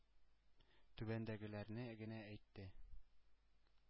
Түбәндәгеләрне генә әйтте.